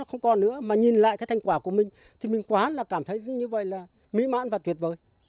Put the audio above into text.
không còn nữa mà nhìn lại thành quả của mình thì mình quá là cảm thấy như vậy là mỹ mãn và tuyệt vời